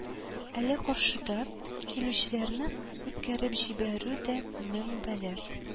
Әле каршыдан килүчеләрне үткәреп җибәрү дә мең бәла